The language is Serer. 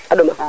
a ɗoma